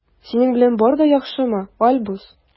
Синең белән бар да яхшымы, Альбус?